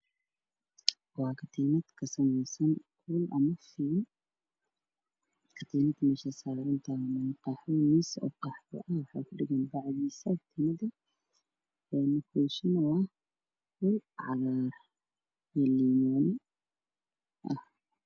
Waka tiinad ku jirto boombal caddaana waxay saaran tahay miis caddaan ah kadarkeedu waa madow iyo qalin